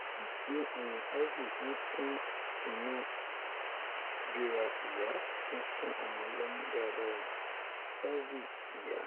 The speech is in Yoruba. Ifun ọyan Elvie n kun inu bira iya ti n fun ọmọ lọmu daradara (Elvie/Iya)